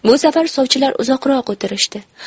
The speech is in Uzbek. bu safar sovchilar uzoqroq o'tirishdi